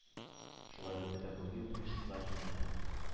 Шулай ук педагогия университетларында